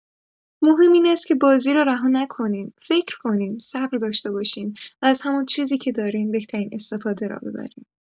مهم این است که بازی را رها نکنیم، فکر کنیم، صبر داشته باشیم و از همان چیزی که داریم، بهترین استفاده را ببریم.